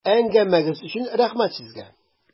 Әңгәмәгез өчен рәхмәт сезгә!